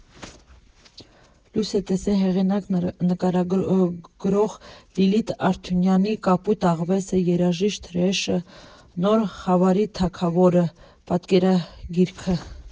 Լույս է տեսել հեղինակ նկարազարդող Լիլիթ Ալթունյանի («Կապույտ աղվեսը», «Երաժիշտ հրեշը») նոր՝ «Խավարի թագավորը» պատկերագիրքը։